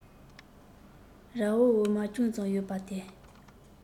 རའི འོ མ ཅུང ཙམ ཡོད པ དེ